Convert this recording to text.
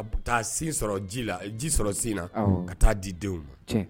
A bɛ taa sen sɔrɔ ji ji sɔrɔ sen na ka taa di denw ma